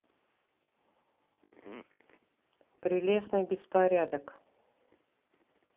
прелестный беспорядок